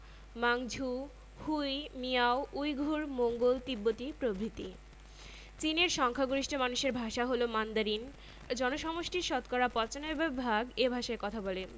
প্রশাসনিক দিক থেকে চিনকে ২২ টি প্রদেশ ও ৫ টি স্বায়ত্তশাসিত অঞ্চলে ভাগ করা হয়েছে দেশটির শিক্ষার হার শতকরা ৮৬ ভাগ বাংলাদেশের সঙ্গে চীনের বন্ধুত্বপূর্ণ সম্পর্ক আছে